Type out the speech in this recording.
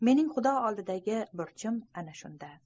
mening xudo oldidagi burchim ana shunda